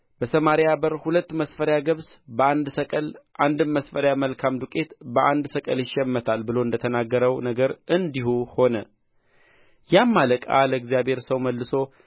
በሰማርያ በር ሁለት መስፈሪያ ገብስ በአንድ ሰቅል አንድም መስፈሪያ መልካም ዱቄት በአንድ ሰቅል ይሸመታል ብሎ እንደ ተናገረው ነገር እንዲሁ ሆነ ያም አለቃ ለእግዚአብሔር ሰው መልሶ